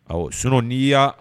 Ɔ sinon n'i y'a